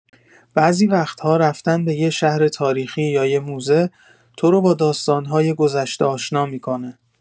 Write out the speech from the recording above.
بعضی وقت‌ها رفتن به یه شهر تاریخی یا یه موزه، تو رو با داستان‌های گذشته آشنا می‌کنه.